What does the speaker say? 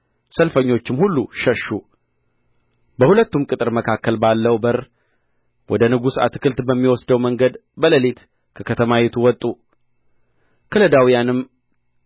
ሰልፈኞችም ሁሉ ሸሹ በሁለቱም ቅጥር መካከል ባለው በር ወደ ንጉሡ አትክልት በሚወስደው መንገድ በሌሊት ከከተማይቱ ወጡ ከለዳውያንም